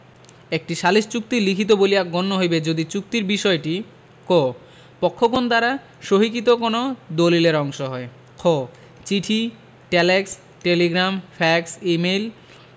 একটি সালিস চুক্তি লিখিত বলিয়া গণ্য হইবে যদি চুক্তির বিষয়টি ক পক্ষগণ দ্বারা সহিকৃত কোন দলিলের অংশ হয় খ চিঠি টেলেক্স টেলিগ্রাম ফ্যাক্স ই মেইল